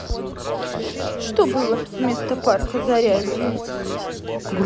что было вместо парка зарядье